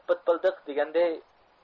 pitpildiq deganday